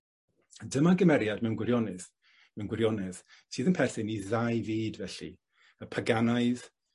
Dyma gymeriad mewn gwirionydd mewn gwirionedd sydd yn perthyn i ddau fyd felly, y paganaidd,